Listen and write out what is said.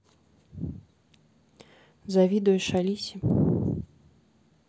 завидуешь алисе